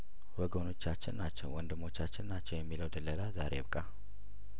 ወገኖቻችን ናቸው ወንድሞቻችን ናቸው የሚለው ድለላ ዛሬ ይብቃ